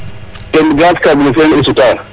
ken gaz carbonique fene i suta